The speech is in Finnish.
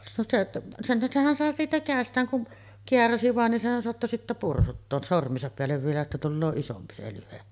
no se senhän senhän sai siitä kädestään kun kääräisi vain niin senhän saattoi sitten pursuttaa sormiensa päälle vielä että tulee isompi se lyhde